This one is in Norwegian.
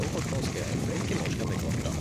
Og hun vart ganske flink i norsk etter kvart, da.